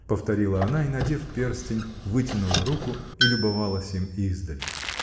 — повторила она и, надев перстень, вытянула руку и любовалась им издали.